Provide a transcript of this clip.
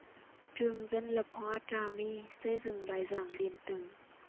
trường dân lập hoa trà my xây dựng bài giảng điện tử